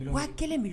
U waa kelen minɛ